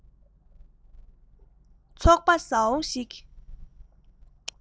ཚོགས པ བཟང བོ ཞིག